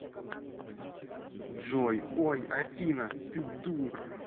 джой ой афина ты дура